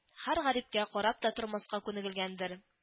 – һәр гарипкә карап та тормаска күнегелгәндер